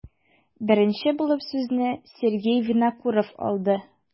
Беренче булып сүзне Сергей Винокуров алды.